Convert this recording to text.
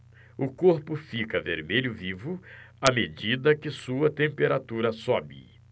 o corpo fica vermelho vivo à medida que sua temperatura sobe